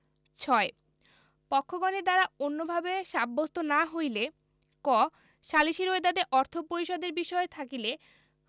৬ পক্ষগণের দ্বারা অন্যভাবে সাব্যস্ত না হইলে ক সালিসী রোয়েদাদে অর্থ পরিশোধের বিষয় থাকিলে